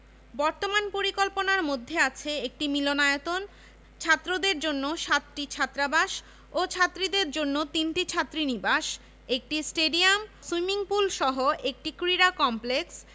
একটি বহুমুখী বিপণি কেন্দ্রও নির্মাণ করার পরিকল্পনা রয়েছে